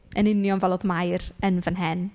Yn union fel oedd Mair yn fan hyn.